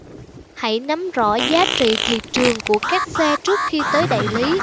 hãy nắm rõ giá trị thị trường của các xe trước khi tới đại lý